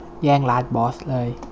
แย่งลาสบอสเลย